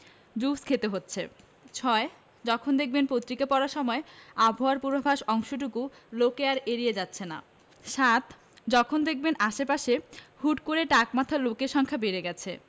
Juice খেতে হচ্ছে ৬. যখন দেখবেন পত্রিকা পড়ার সময় আবহাওয়ার পূর্বাভাস অংশটুকু লোকে আর এড়িয়ে যাচ্ছে না ৭. যখন দেখবেন আশপাশে হুট করে টাক মাথার লোকের সংখ্যা বেড়ে গেছে